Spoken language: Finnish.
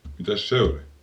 mitäs se oli